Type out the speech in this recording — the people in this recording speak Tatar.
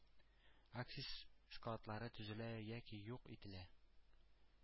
Акциз складлары төзелә яки юк ителә,